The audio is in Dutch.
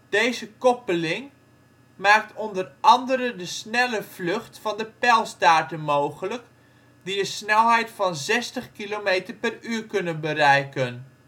Deze koppeling maakt onder andere de snelle vlucht van de pijlstaarten mogelijk, die een snelheid van 60 kilometer per uur kunnen bereiken